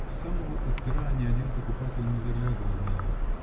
С самого утра ни один покупатель не заглядывал в нее.